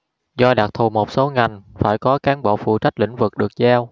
do đặc thù một số ngành phải có cán bộ phụ trách lĩnh vực được giao